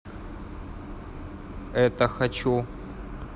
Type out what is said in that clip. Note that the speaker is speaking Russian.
это хочу